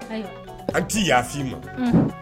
An t'i yafa fɔ i ma